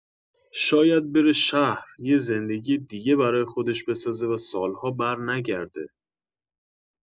شاید بره شهر، یه زندگی دیگه برای خودش بسازه و سال‌ها برنگرده.